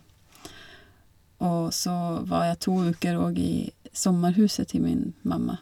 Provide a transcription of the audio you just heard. Og så var jeg to uker òg i sommerhuset til min mamma.